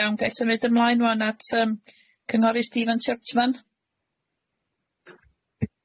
Iawn ga'i symud ymlaen 'wan at yym cynghori Stephen Churchman.